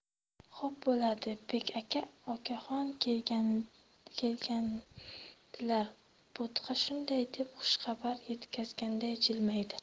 xo'p bo'ladi bek aka okaxon kelgandilar bo'tqa shunday deb xushxabar yetkazganday jilmaydi